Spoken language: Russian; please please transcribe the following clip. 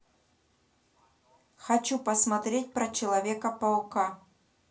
хочу посмотреть про человека паука